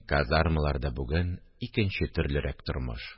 Казармаларда бүген икенче төрлерәк тормыш